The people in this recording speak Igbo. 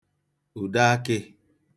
ùde akị̄